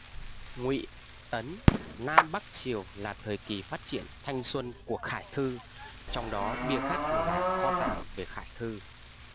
ngụy tấn nam bắc triều là thời kỳ phát triển thanh xuân của khải thư trong đó bia khắc là kho tàng về khải thư